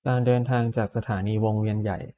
การเดินทางจากสถานีวงเวียนใหญ่